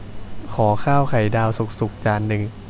ขอข้าวไข่ดาวสุกๆจานนึง